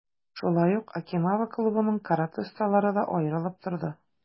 Шулай ук, "Окинава" клубының каратэ осталары да аерылып торды.